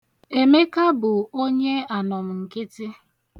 Emeka bụ onye anọmnkịtị.